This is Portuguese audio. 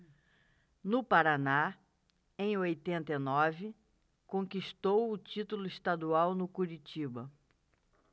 no paraná em oitenta e nove conquistou o título estadual no curitiba